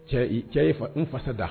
Cɛ i cɛ ye fa n fasa da